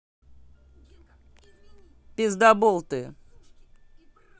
пиздабол ты